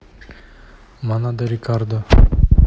манадо рикардо